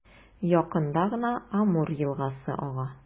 Якында гына Амур елгасы ага.